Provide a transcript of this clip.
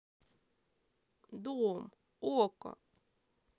дом око